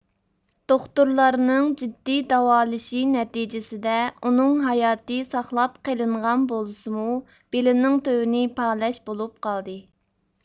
دوختۇرلارنىڭ جىددىي داۋالىشى نەتىجىسىدە ئۇنىڭ ھاياتى ساقلاپ قېلىنغان بولسىمۇ بېلىنىڭ تۆۋىنى پالەچ بولۇپ قالدى